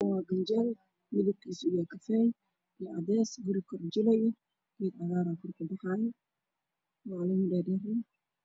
Kani waa ganjeel midabkiisu uu yahay kafay iyo cadeys, guriga korkiisa waa jilay, geed cagaar ah ayaa guriga kabaxaayo oo caleemo dhaadheer leh.